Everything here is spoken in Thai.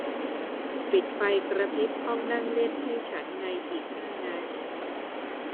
ปิดไฟกระพริบห้องนั่งเล่นให้ฉันในอีกห้านาที